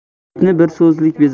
yigitni bir so'zlik bezar